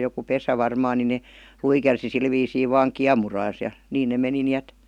joku pesä varmaan niin ne luikersi sillä viisiin vain kiemurassa ja niin ne meni niin että